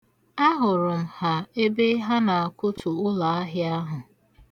Ahụrụ ha ebe ha na-akụtu ụlọahịa ahụ.